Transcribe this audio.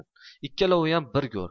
ikkaloviyam bir go'r